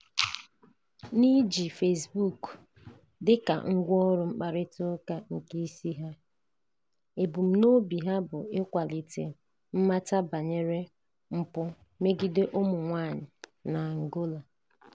N'iji Facebook dịka ngwaọrụ mkpakọrịta nke isi ha, ebumnobi ha bụ ịkwalite mmata banyere mpụ megide ụmụ nwaanyị na Angola: